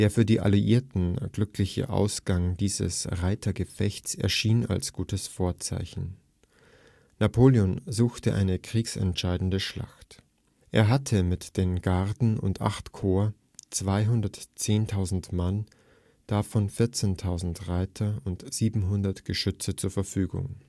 für die Alliierten glückliche Ausgang dieses Reitergefechts erschien als gutes Vorzeichen. Napoleon suchte eine kriegsentscheidende Schlacht. Er hatte mit den Garden und acht Korps 210.000 Mann, davon 14.000 Reiter und 700 Geschütze, zur Verfügung